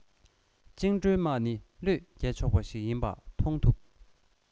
བཅིངས འགྲོལ དམག ནི བློས འགེལ ཆོག པ ཞིག ཡིན པ མཐོང ཐུབ